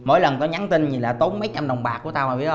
mỗi lần tao nhắn tin là tốn mấy trăm đồng bạc của tao mày